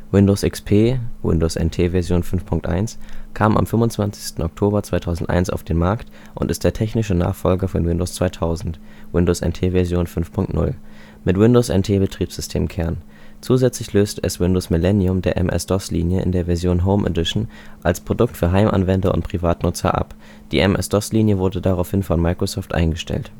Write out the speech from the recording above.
Windows XP (Windows NT Version 5.1) kam am 25. Oktober 2001 auf den Markt und ist der technische Nachfolger von Windows 2000 (Windows NT Version 5.0) mit Windows-NT-Betriebssystemkern. Zusätzlich löste es Windows ME der MS-DOS-Linie in der Version „ Home Edition “als Produkt für Heimanwender und Privatnutzer ab. Die MS-DOS-Linie wurde daraufhin von Microsoft eingestellt